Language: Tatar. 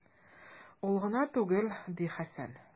Ул гына түгел, - ди Хәсән.